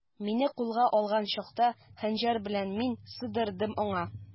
Мине кулга алган чакта, хәнҗәр белән мин сыдырдым аңа.